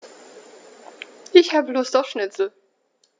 Ich habe Lust auf Schnitzel.